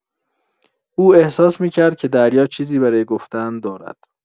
او احساس می‌کرد که دریا چیزی برای گفتن دارد.